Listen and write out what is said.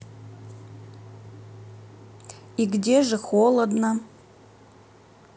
и где же холодно